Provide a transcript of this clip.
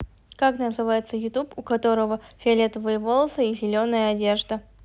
как называется youtube у которого фиолетовые волосы и зеленая одежда